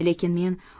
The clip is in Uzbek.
lekin men